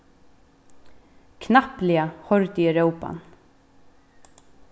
knappliga hoyrdi eg rópan